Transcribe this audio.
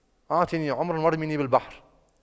اعطني عمرا وارميني بالبحر